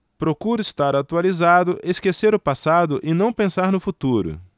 procuro estar atualizado esquecer o passado e não pensar no futuro